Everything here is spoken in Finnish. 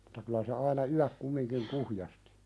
Jotta kyllä se aina yöksi kumminkin kuhjasti